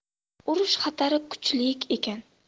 urush xatari kuchlik ekan